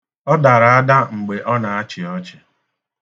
Ọ dara ada mgbe ọ na-achi ọchị.